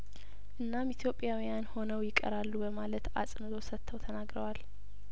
እናም ኢትዮጵያዊያን ሆነው ይቀራሉ በማለት አጽንኦት ሰጥተው ተናግረዋል